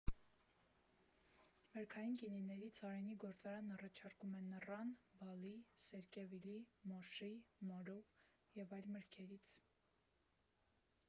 Մրգային գինիներից «Արենի» գործարանն առաջարկում է նռան, բալի, սերկևիլի, մոշի, մորու և այլ մրգերից։